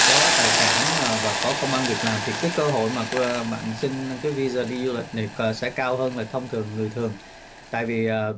có tài sản và có công ăn việc làm thì các cơ hội mà bạn xin cái vi da đi du lịch này cờ sẽ cao hơn là thông thường người thường tại vì